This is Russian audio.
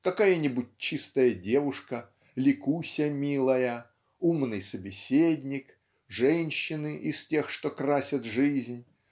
какая-нибудь чистая девушка, Ликуся милая, умный собеседник, женщины из тех, что красят жизнь,